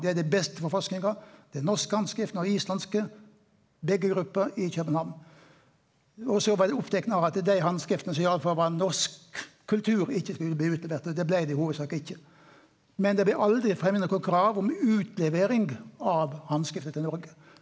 det er det beste for forskinga den norske handskrifta og islandske begge grupper i København og så var dei opptekne av at dei handskriftene som iallfall var norsk kultur ikkje skulle bli utleverte og det blei dei i hovudsak ikkje, men det blir aldri fremma noko krav om utlevering av handskrifter til Noreg.